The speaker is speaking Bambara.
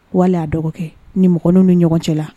Wala y'a dɔgɔkɛ nininw bɛ ɲɔgɔn cɛ la